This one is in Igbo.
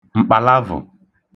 m̀kpàlavụ̀